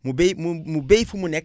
mu bay mu bay fu mu nekk